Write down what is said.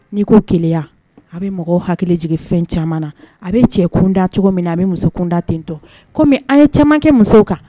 N'i ko keleya a bɛ mɔgɔw hakili jigin fɛn caman na a bɛ cɛ kunda cogo min na a bɛ muso kunda tentɔn comme an ye musow kan